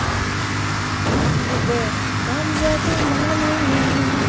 любэ там за туманами